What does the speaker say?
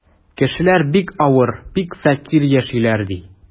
Кешеләр бик авыр, бик фәкыйрь яшиләр, ди.